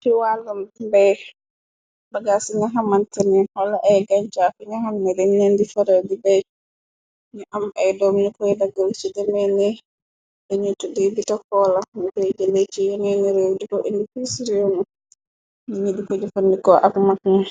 Ri wàllu bay, bagaa ci ñaxamante ni xola ay gañca fi ñaxamne leñ ñeendi fara di bay, ñu am ay doom ñu kory daggrus ci demeene yiñu tuddi bitakola, ñu bëytele ci yenee ni réew diko indipis reem ñi, ñi di ko jëfandikoo ak mag ni.